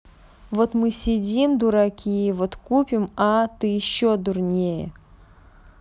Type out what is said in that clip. вот мы сидим дураки вот купим а ты еще дурнее